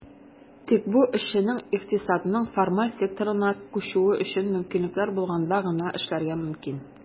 Тик бу эшченең икътисадның формаль секторына күчүе өчен мөмкинлекләр булганда гына эшләргә мөмкин.